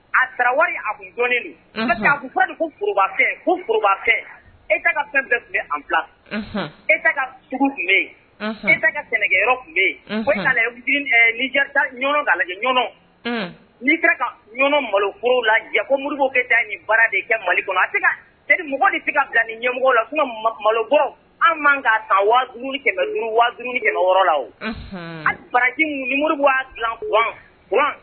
A taara wari ababa e fɛn bɛɛ tun bɛ an bila e tɛ sugu tun bɛ yen e tɛ ka sɛnɛyɔrɔ tun bɛ yenɔn ka ɲɔnɔn n'i ka ɲɔn malooro la ko moribukɛ da ni bara de kɛ mali kɔnɔ a teri mɔgɔ de tɛ ka bila ni ɲɛmɔgɔ la malobɔ an man ka ta kɛmɛ waauru kɛmɛ la o a baraji mu muru bu dila